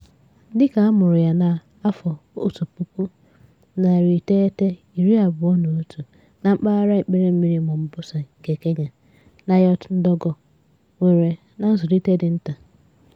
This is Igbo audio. Dịka a mụrụ ya na 1981 na mpaghara Ikperemmirir Mombasa nke Kenya, Nyota Ndogo nwere na nzụlite dị nta.